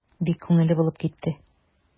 Бик күңелле булып китте.